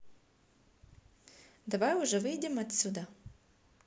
давай уже выйдем отсюда